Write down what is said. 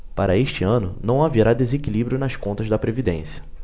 para este ano não haverá desequilíbrio nas contas da previdência